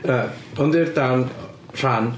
Na, hwn di'r darn... rhan...